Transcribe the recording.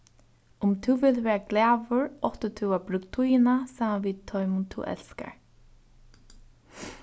um tú vilt vera glaður átti tú at brúkt tíðina saman við teimum tú elskar